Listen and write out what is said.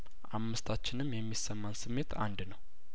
አምስታችንም የሚሰማን ስሜት አንድ ነው